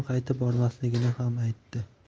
qaytib bormasligini ham aytdi